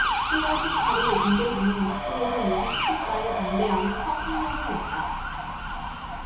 시 월 십 팔 일 김대중은 도쿄에서 유신 쿠데타에 반대하는 첫 성명을 냈다